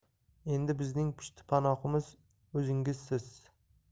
endi bizning pushtipanohimiz o'zingizsiz